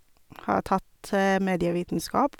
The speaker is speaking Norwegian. Har tatt medievitenskap.